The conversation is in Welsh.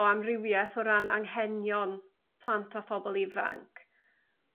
o amrywieth o ran anghenion plant a phobol ifanc?